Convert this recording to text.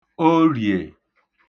Oriè